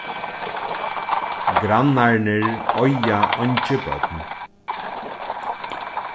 grannarnir eiga eingi børn